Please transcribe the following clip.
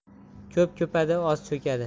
ko'p ko'padi oz cho'kadi